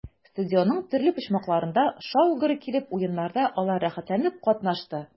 Стадионның төрле почмакларында шау-гөр килеп уеннарда алар рәхәтләнеп катнашты.